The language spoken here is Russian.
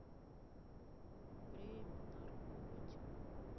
время наркотик